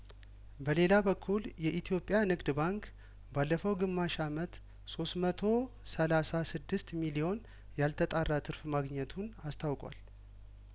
በሌላ በኩል የኢትዮጵያ ንግድ ባንክ ባለፈው ግማሽ አመት ሶስት መቶ ሰላሳ ስድስት ሚሊዮን ያልተጣራ ትርፍ ማግኘቱን አስታውቋል